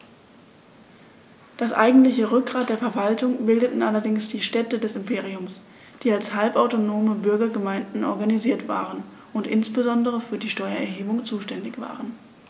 Das eigentliche Rückgrat der Verwaltung bildeten allerdings die Städte des Imperiums, die als halbautonome Bürgergemeinden organisiert waren und insbesondere für die Steuererhebung zuständig waren.